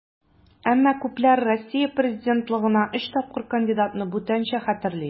Әмма күпләр Россия президентлыгына өч тапкыр кандидатны бүтәнчә хәтерли.